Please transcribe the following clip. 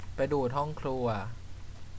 ไปดูดห้องครัว